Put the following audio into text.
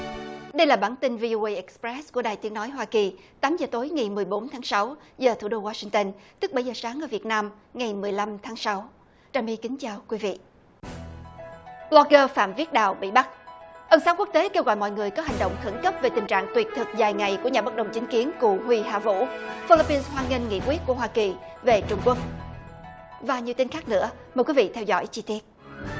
đây là bản tin vi ô ây ích roét của đài tiếng nói hoa kỳ tám giờ tối ngày mười bốn tháng sáu giờ thủ đô goa sinh tơn tức bảy giờ sáng ở việt nam ngày mười lăm tháng sáu trà my kính chào quý vị bờ lo gơ phạm viết đào bị bắt ân xá quốc tế kêu gọi mọi người có hành động khẩn cấp về tình trạng tuyệt thực dài ngày của nhà bất đồng chính kiến cù huy hà vũ phi líp pin hoan nghênh nghị quyết của hoa kỳ về trung quốc và nhiều tin khác nữa mời quý vị theo dõi chi tiết